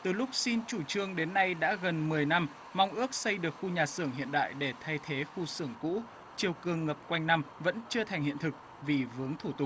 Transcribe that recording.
từ lúc xin chủ trương đến nay đã gần mười năm mong ước xây được khu nhà xưởng hiện đại để thay thế khu xưởng cũ triều cường ngập quanh năm vẫn chưa thành hiện thực vì vướng thủ tục